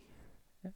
Ja.